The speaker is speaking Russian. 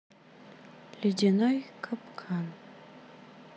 ледяной капкан